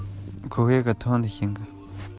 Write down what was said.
འཇིག རྟེན ཞིག མིག མདུན དུ ཤར བྱུང